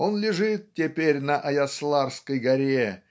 Он лежит теперь на Аясларской горе